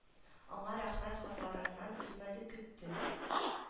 Аңа рәхмәт хатларыннан өзмәде көтте